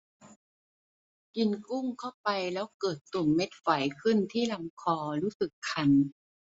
กินกุ้งเข้าไปแล้วเกิดตุ่มเม็ดไฝขึ้นที่ลำคอรู้สึกคัน